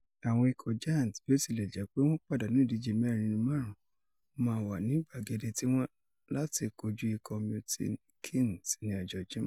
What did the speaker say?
Àwọn ikọ̀ Giants, bí ó tilẹ̀ jẹ́ pé wọ́n pàdánù ìdíje mẹ́rin nínú márùn-ún, máa wà ní gbàgéde ti wọn láti kojú ikọ̀ Milton Keynes ní ọjọ́ Jímọ̀.